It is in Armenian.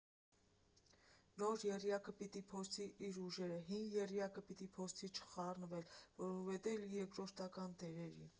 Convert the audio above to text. Նոր եռյակը պիտի փորձի իր ուժերը, հին եռյակը պիտի փորձի չխառնվել, սովորել երկրորդական դերերին։